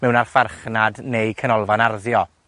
mewn a'r farchnad neu canolfan arddio